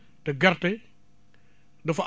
te gerte dafa